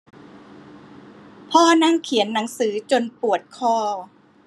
พ่อนั่งเขียนหนังสือจนปวดคอ